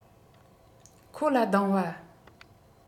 ཁོ ལ སྡང བ